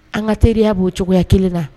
An ka teriya b'o cogoya kelen na.